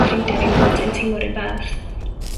ffrindia' fi'n teimlo yr un fath.